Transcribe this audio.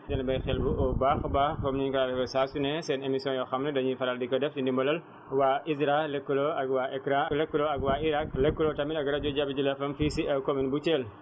ngeen bàyyi xel bu baax a baax comme niñ koy defee saa su ne seen émission yoo xam ne dañuy faral di ko def si ndimbalal waa ISRA lëkkaloo ak waa AICCRA lëkkaloo ak waa IJAK lëkkaloo tamit ak rajo Jabi jula FM fii si commune bu Thiel